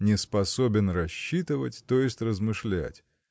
– Не способен рассчитывать, то есть размышлять.